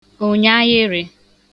ụ̀nyàhịrị̀